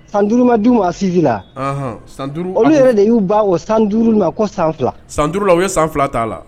San duuruuruuma d ma sisi la olu yɛrɛ de y'u ba o san duuru ma ko san fila san duuru u ye san fila t'a la